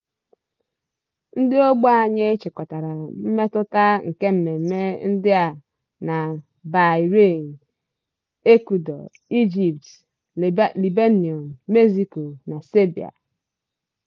Ndị ógbè anyị chịkọtara mmetụta nke mmemme ndị a na Bahrain, Ecuador, Ijipt, Lebanọn, Mexico na Serbia.